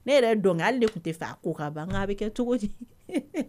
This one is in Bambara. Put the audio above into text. Ne yɛrɛ ye dɔn kɛ hali ne kun te fɛ a ko ka ban. Nga be kɛ cogo di.